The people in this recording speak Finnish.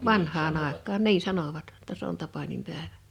vanhaan aikaan niin sanoivat jotta se on tapaninpäivä